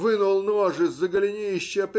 вынул нож из-за голенища